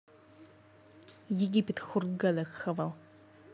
египет хургада хавал